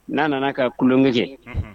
Na nana ka tulonkɛ kɛ, unhun